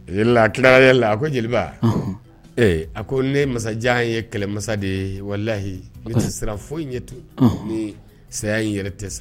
A kira yɛlɛ la a ko jeliba ee a ko ne masajan ye kɛlɛmasa de ye waliyi n tɛ siran foyi ɲɛ to ni saya in yɛrɛ tɛ sa